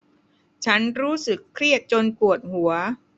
ฉันรู้สึกเครียดจนปวดหัว